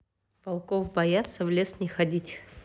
волков бояться в лес не ходить